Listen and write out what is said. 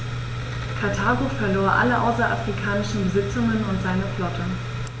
Karthago verlor alle außerafrikanischen Besitzungen und seine Flotte.